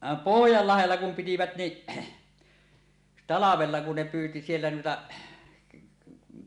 vaan Pohjanlahdella kun pitivät niin talvella kun ne pyysi siellä niitä